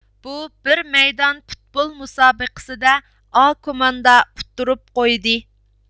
بۇ بىر مەيدان پۇتبول مۇسابىقىسىدە ئا كوماندا ئۇتتۇرۇپ قويدى